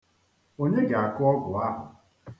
Onye ga-akụ ọgwụ ahụ?